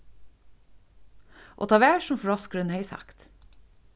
og tað var sum froskurin hevði sagt